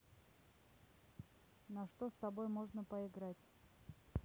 на что с тобой можно поиграть